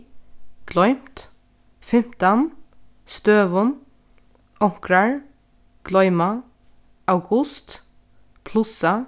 gloymt fimtan støðum onkrar gloyma august plussa